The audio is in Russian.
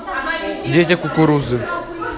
дети кукурузы